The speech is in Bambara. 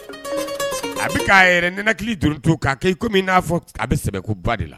A bɛ k a yɛrɛ nɛnɛ hakili duuru to kɛ kɔmi na fɔ a bɛ sɛ ba de la